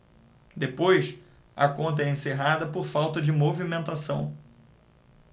depois a conta é encerrada por falta de movimentação